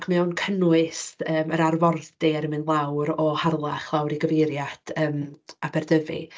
Ac mae o'n cynnwys yym yr arfordir yn mynd lawr o Harlech lawr i gyfeiriad yym Aberdyfi.